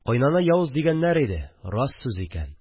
Кайнана явыз дигәннәр иде – рас сүз икән